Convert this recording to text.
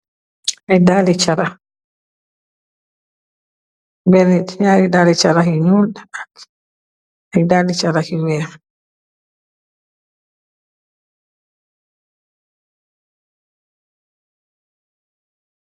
Ay dalli carax, ñaari dalla yu ñuul ak dalli carax yu wèèx.